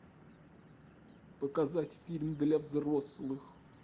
показать фильмы для взрослых